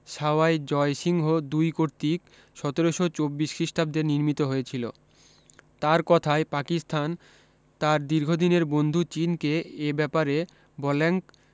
Sawai Jai Singh দুই কর্তৃক সতেরশ চব্বিশ খ্রীষ্টাব্দে নির্মিত হয়েছিলো তার কথায় পাকিস্তান তার দীর্ঘদিনের বন্ধু চীনকে এ ব্যাপারে বল্যাঙ্ক